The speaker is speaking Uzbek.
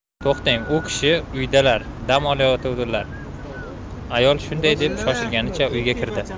to'xtang u kishim uydalar dam olayotuvdilar ayol shunday deb shoshilganicha uyga kirdi